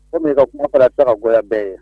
O ka kuma fana ka ka gɛlɛ bɛɛ ye